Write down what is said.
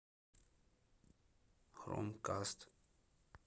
хром каст